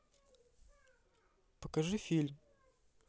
покажи фильм